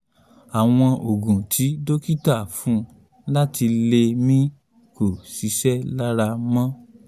Àwọn oògùn tí dókítà fún láti lè mí kò ṣiṣẹ́ lára mọ.